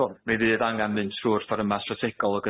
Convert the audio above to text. So mi fydd angan mynd trw'r fformat strategol ag